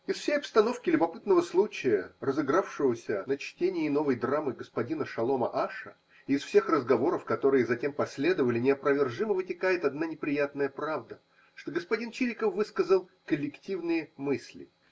Из всей обстановки любопытного случая, разыгравшегося на чтении новой драмы господина Шолома Аша, и из всех разговоров, которые затем последовали, неопровержимо вытекает одна неприятная правда: что господин Чириков высказал коллективные мысли.